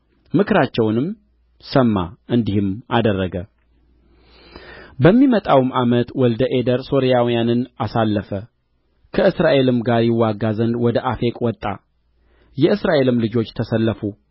ምክራቸውንም ሰማ እንዲሁም አደረገ ፕ በሚመጣውም ዓመት ወልደ አዴር ሶርያውያንን አሰለፈ ከእስራኤልም ጋር ይዋጋ ዘንድ ወደ አፌቅ ወጣ የእስራኤልም ልጆች ተሰለፉ